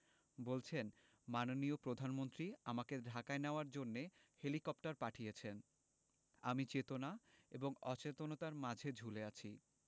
বলছেন মাননীয় প্রধানমন্ত্রী আমাকে ঢাকায় নেওয়ার জন্য হেলিকপ্টার পাঠিয়েছেন আমি চেতনা এবং অচেতনার মাঝে ঝুলে আছি